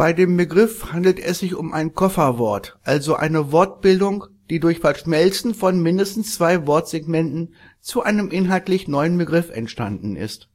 dem Begriff handelt es sich um ein Kofferwort, also eine Wortbildung, die durch Verschmelzen von mindestens zwei Wortsegmenten zu einem inhaltlich neuen Begriff entstanden ist